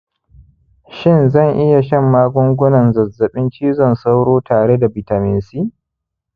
shin zan iya shan magungunan zazzabin cizon sauro tare da bitamin c